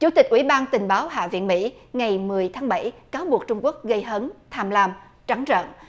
chủ tịch ủy ban tình báo hạ viện mỹ ngày mười tháng bảy cáo buộc trung quốc gây hấn tham lam trắng trợn